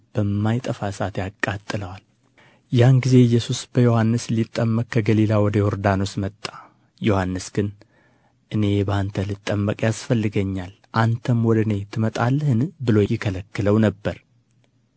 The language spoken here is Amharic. በማይጠፋ እሳት ያቃጥለዋል ያን ጊዜ ኢየሱስ በዮሐንስ ሊጠመቅ ከገሊላ ወደ ዮርዳኖስ መጣ ዮሐንስ ግን እኔ በአንተ ልጠመቅ ያስፈልገኛል አንተም ወደ እኔ ትመጣለህን ብሎ ይከለክለው ነበር